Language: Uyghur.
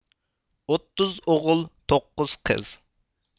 ئوتتۇز ئوغۇل توققۇز قىز